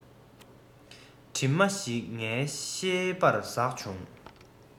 གྲིབ མ ཞིག ངའི ཤེས པར ཟགས བྱུང